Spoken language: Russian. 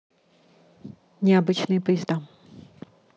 необычные поезда